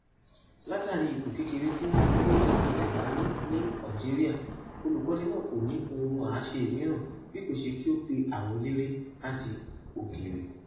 Látààrí ipò kékeré tí bọ́ọ̀lù aláfẹsẹ̀gbá ní ní Algeria olùkọ́ni náà kò ní ohun àáṣe mìíràn bí kò ṣe kí ó pe àwọn eléré láti òkèèrè.